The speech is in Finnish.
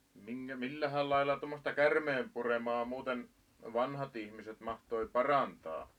- millähän lailla tuommoista käärmeen puremaa muuten vanhat ihmiset mahtoi parantaa